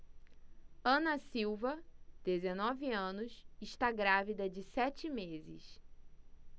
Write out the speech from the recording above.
ana silva dezenove anos está grávida de sete meses